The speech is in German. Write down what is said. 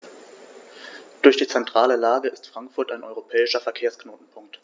Durch die zentrale Lage ist Frankfurt ein europäischer Verkehrsknotenpunkt.